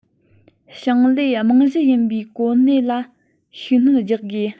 ཞིང ལས རྨང གཞི ཡིན པའི གོ གནས ལ ཤུགས སྣོན རྒྱག དགོས